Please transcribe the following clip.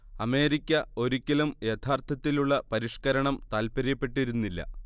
America ഒരിക്കലും യഥാർത്ഥത്തിലുള്ള പരിഷ്കരണം താല്പര്യപ്പെട്ടിരുന്നില്ല